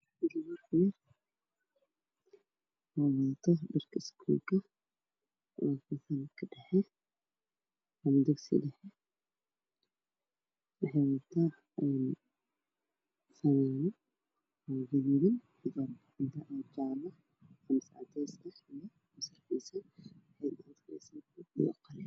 Waxaa ii muuqda gabarto wadato dhar jaale oo wax qorayso